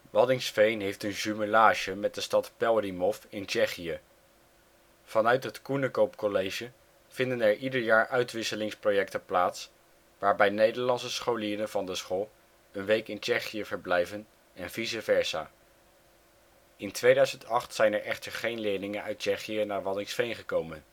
Waddinxveen heeft een jumelage met de stad Pelhřimov in Tsjechië. Vanuit het Coenecoop College vinden er ieder jaar uitwisselingsprojecten plaats waarbij Nederlandse scholieren van de school een week in Tsjechië verblijven en vice versa. In 2008 zijn er echter geen leerlingen uit Tsjechië naar Waddinxveen gekomen